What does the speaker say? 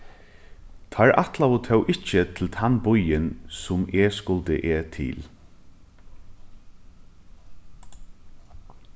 teir ætlaðu tó ikki til tann býin sum eg skuldi eg til